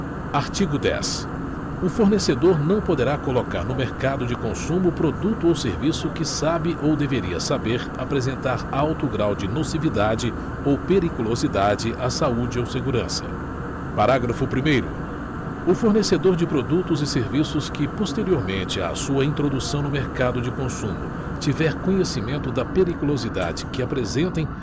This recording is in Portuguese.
artigo dez o fornecedor não poderá colocar no mercado de consumo produto ou serviço que sabe ou deveria saber apresentar alto grau de nocividade ou periculosidade à saúde ou segurança parágrafo primeiro o fornecedor de produtos e serviços que posteriormente à sua introdução no mercado de consumo tiver conhecimento da periculosidade que apresentem